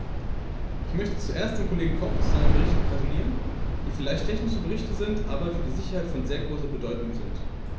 Ich möchte zuerst dem Kollegen Koch zu seinen Berichten gratulieren, die vielleicht technische Berichte sind, aber für die Sicherheit von sehr großer Bedeutung sind.